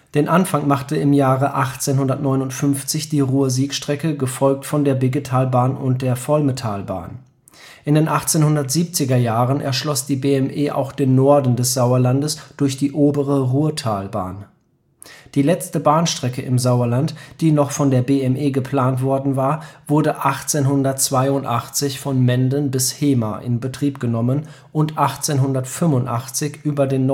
Den Anfang machte im Jahre 1859 die Ruhr-Sieg-Strecke, gefolgt von der Biggetalbahn und der Volmetalbahn. In den 1870er Jahren erschloss die BME auch den Norden des Sauerlandes durch die Obere Ruhrtalbahn. Die letzte Bahnstrecke im Sauerland, die noch von der BME geplant worden war, wurde 1882 von Menden bis Hemer in Betrieb genommen und 1885 über den